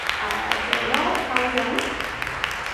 A trên yn ôl, hawdd iawn.